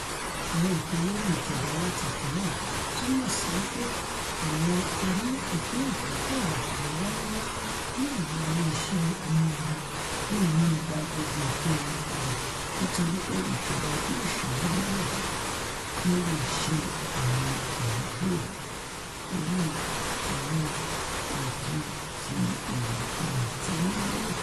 Àwọn ètò olóri ìjọba alátako náà túmọ̀ sí wí pé àwọn oníìpín ìdókòòwò lọ́wọ́lọ́wọ́ ní àwọn ilé iṣẹ́ omi-ẹ̀rọ leè má gba gbogbo ìpín wọn padà nítorípe ìjọba ẹgbẹ́ òṣ̵èlú Labour kan leè ṣe 'awọn àyọkúrò' lori àwọn ìdí ti ìwàkiwà ti wọn lérò.